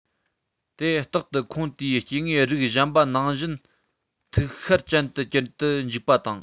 དེ རྟག ཏུ ཁོངས དེའི སྐྱེ དངོས རིགས གཞན པ ནང བཞིན ཐིག ཤར ཅན དུ འགྱུར དུ འཇུག པ དང